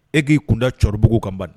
E k'i kunda cɛkɔrɔbabugu kanban